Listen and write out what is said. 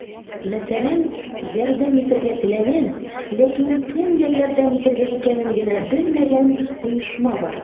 Мәсәлән, ярдәм итәргә теләгән, ләкин кемгә ярдәм итергә икәнен генә белмәгән оешма бар.